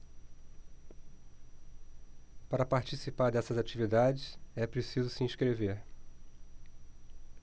para participar dessas atividades é preciso se inscrever